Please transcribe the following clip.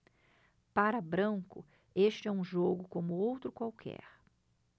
para branco este é um jogo como outro qualquer